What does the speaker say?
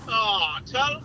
O, twel!